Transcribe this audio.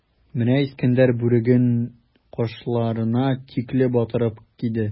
Менә Искәндәр бүреген кашларына тикле батырып киде.